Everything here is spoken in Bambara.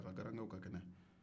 aw ka garankɛw ka kɛnɛ